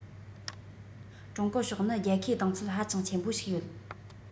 ཀྲུང གོ ཕྱོགས ནི རྒྱལ ཁའི གདེང ཚོད ཧ ཅང ཆེན པོ ཞིག ཡོད